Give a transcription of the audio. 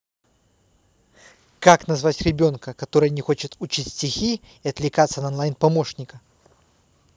как назвать ребенка которая не хочет учить стихи и отвлекается на онлайн помощника